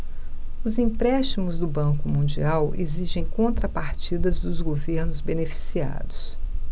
os empréstimos do banco mundial exigem contrapartidas dos governos beneficiados